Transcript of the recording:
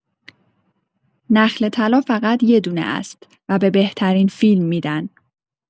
نخل طلا فقط یه دونه است و به بهترین فیلم می‌دن.